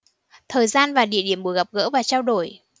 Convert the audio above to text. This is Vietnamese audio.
thời gian và địa điểm buổi gặp gỡ và trao đổi